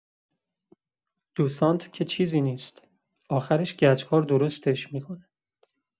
دو سانت که چیزی نیست، آخرش گچ‌کار درستش می‌کنه.